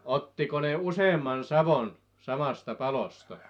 ottiko ne useamman sadon samasta palosta